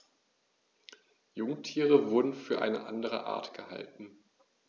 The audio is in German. Jungtiere wurden für eine andere Art gehalten.